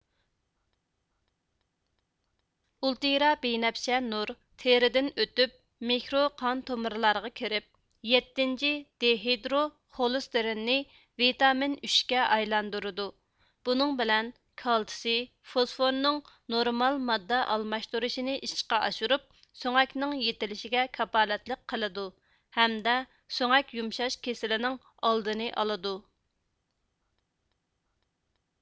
ئۇلتىرا بىنەپشە نۇر تېرىدىن ئۆتۈپ مىكرو قان تومۇرلارغا كىرىپ يەتتىنچى دىھېدرو خولېستېرىننى ۋىتامىن ئۈچ كە ئايلاندۇرىدۇ بۇنىڭ بىلەن كالتسىي فوسفورنىڭ نورمال ماددا ئالماشتۇرۇشىنى ئىشقا ئاشۇرۇپ سۆڭەكنىڭ يېتىلىشىگە كاپالەتلىك قىلىدۇ ھەمدە سۆڭەك يۇمشاش كېسىلىنىڭ ئالدىنى ئالىدۇ